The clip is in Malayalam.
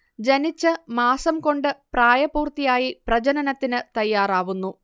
ജനിച്ച് മാസം കൊണ്ട് പ്രായപൂർത്തിയായി പ്രജനനത്തിന് തയ്യാറാവുന്നു